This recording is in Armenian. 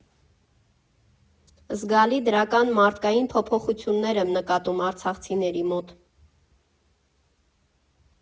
Զգալի դրական մարդկային փոփոխություն եմ նկատում արցախցիների մոտ։